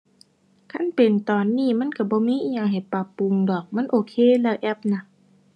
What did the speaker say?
คันเป็นตอนนี้มันก็บ่มีอิหยังให้ปรับปรุงดอก มันโอเคแล้วแอปน่ะ